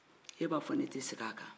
e b'a fɔ ne tɛ segin a kan